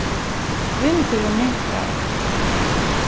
vindurin minkar